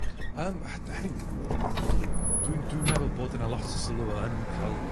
Yym hynny yw, dwi'n dwi'n meddwl bod yna lot o sylw yn ca'l